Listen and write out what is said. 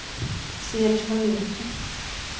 смерч в америке